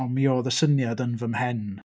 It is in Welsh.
Ond mi oedd y syniad yn fy mhen.